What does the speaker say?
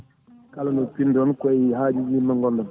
kalano pinɗon koye hajuji yimɓeɓe gonɗon